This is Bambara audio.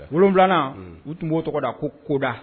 Wolon wolonwula u tun b'o tɔgɔ da ko koda